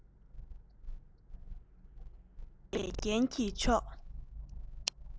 ངོམས པའི རྒྱན གྱི མཆོག